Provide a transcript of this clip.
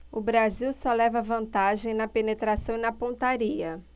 o brasil só leva vantagem na penetração e na pontaria